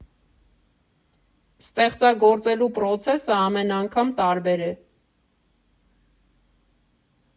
Ստեղծագործելու պրոցեսը ամեն անգամ տարբեր է։